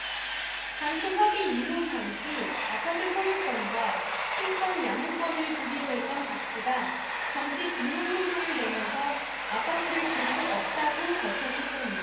당초 협의이혼 당시 아파트 소유권과 친권 양육권을 주기로 했던 박씨가 정식 이혼 소송을 내면서 아파트를 줄 수 없다고 버텼기 때문